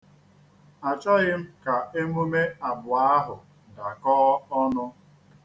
Achọghị m ka emume abụọ ahụ dakọọ ọnụ.